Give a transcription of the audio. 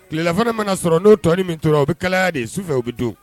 Tilelafana mana sɔrɔ n'o tɔnin min tora, o bɛ kalaya de; sufɛ o bɛ dun.